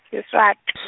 Siswat- .